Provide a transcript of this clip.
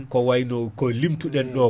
ko wayno ko limtuɗen ɗo